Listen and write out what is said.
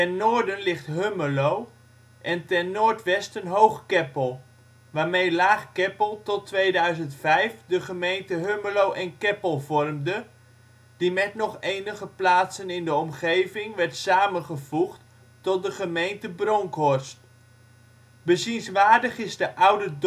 noorden ligt Hummelo en ten noordwesten Hoog-Keppel, waarmee Laag-Keppel tot 2005 de gemeente Hummelo en Keppel vormde, die met nog enige plaatsen in de omgeving werd samengevoegd tot de gemeente Bronckhorst. Bezienswaardig is de oude